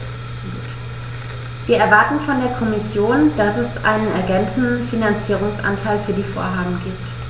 Wir erwarten von der Kommission, dass es einen ergänzenden Finanzierungsanteil für die Vorhaben gibt.